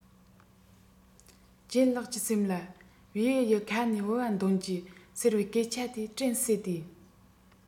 ལྗད ལགས ཀྱི སེམས ལ བེའུའི ཁ ནས ལྦུ བ འདོན གྱིས ཟེར བའི སྐད ཆ དེ དྲན གསོས ཏེ